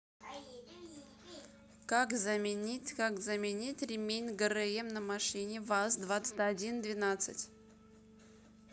как заменить как заменить ремень грм на машине ваз двадцать один двенадцать